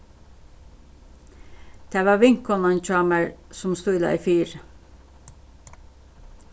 tað var vinkonan hjá mær sum stílaði fyri